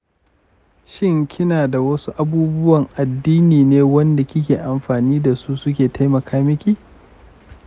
shin kina da wasu abubuwan addini ne wanda kike amfani dasu suke taimaka miki?